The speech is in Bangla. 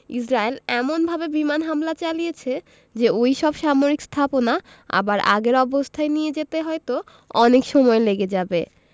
ইসরায়েল এমনভাবে বিমান হামলা চালিয়েছে যে ওই সব সামরিক স্থাপনা আবার আগের অবস্থায় নিয়ে যেতে হয়তো অনেক সময় লেগে যাবে